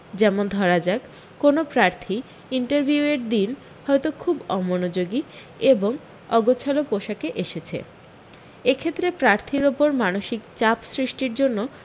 যেমন ধরা যাক কোনও প্রার্থী ইন্টারভিউয়ের দিন হয়তো খুব অমনোযোগী এবং অগোছালো পোষাকে এসেছে এ ক্ষেত্রে প্রার্থীর ওপর মানসিক চাপ সৃষ্টির জন্য